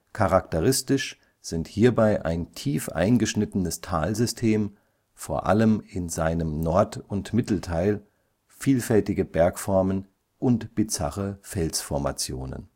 Charakteristisch sind hierbei ein tief eingeschnittenes Talsystem, vor allem in seinem Nord - und Mittelteil, vielfältige Bergformen und bizarre Felsformationen